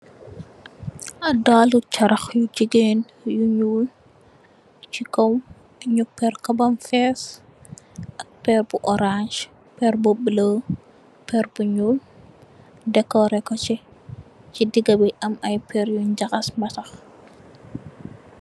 Dalli carax yu jigeen yu ñuul, ci kaw ni péér ko bem fees ak péér bu orans péér bu bula péér bu ñuul dekorè ko ci digibi am péér yu jaxas baxas.